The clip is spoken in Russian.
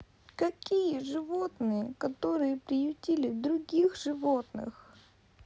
какие животные которые приютили других животных